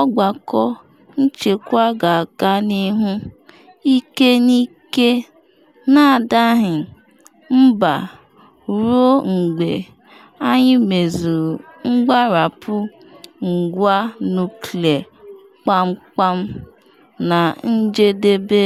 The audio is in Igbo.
Ọgbakọ Nchekwa ga-aga n’ihu ike n’ike na-adaghị mba ruo mgbe anyị mezuru mgbarapụ ngwa nuklịa kpam kpam, na njedebe.”